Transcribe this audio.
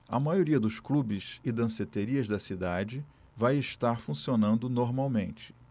a maioria dos clubes e danceterias da cidade vai estar funcionando normalmente